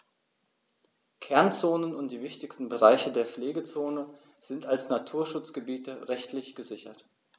Kernzonen und die wichtigsten Bereiche der Pflegezone sind als Naturschutzgebiete rechtlich gesichert.